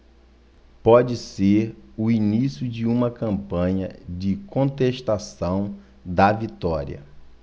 pode ser o início de uma campanha de contestação da vitória